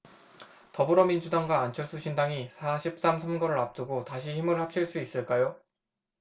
더불어민주당과 안철수 신당이 사 십 삼 선거를 앞두고 다시 힘을 합칠 수 있을까요